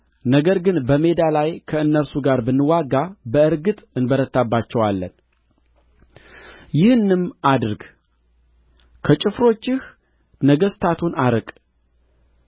ነገር ግን በሜዳ ላይ ከእነርሱ ጋር ብንዋጋ በእርግጥ እንበረታባቸዋለን ይህንም አድርግ ከጭፍሮችህ ነገሥታቱን አርቅ